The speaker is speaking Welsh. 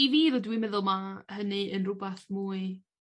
I fi tho dwi'n meddwl ma' hynny yn rwbath mwy